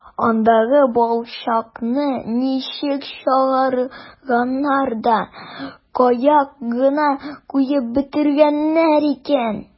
Андагы балчыкны ничек чыгарганнар да кая гына куеп бетергәннәр икән...